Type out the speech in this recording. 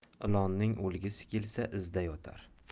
ilonning o'lgisi kelsa izda yotar